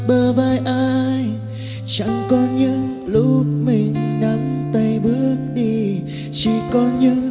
bờ vai anh chẳng còn những lúc mình nắm tay bước đi chỉ còn những